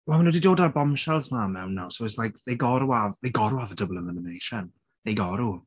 Wel ma' nhw 'di dod â'r bombshells yma mewn nawr so it's like they've got to have they got to have a double elimination. They got to.